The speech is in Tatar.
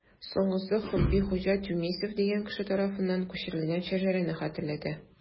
Соңгысы Хөббихуҗа Тюмесев дигән кеше тарафыннан күчерелгән шәҗәрәне хәтерләтә.